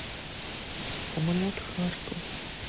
самолет харьков